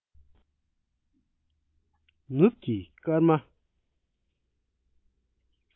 ནུབ ཀྱི སྐར མ